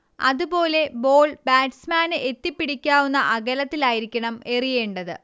അതുപോലെ ബോൾ ബാറ്റ്സ്മാന് എത്തിപ്പിടിക്കാവുന്ന അകലത്തിലായിരിക്കണം എറിയേണ്ടത്